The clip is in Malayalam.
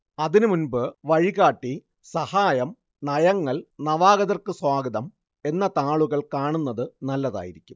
അതിനുമുൻപ് വഴികാട്ടി സഹായം നയങ്ങൾ നവാഗതർക്ക് സ്വാഗതം എന്ന താളുകൾ കാണുന്നത് നല്ലതായിരിക്കും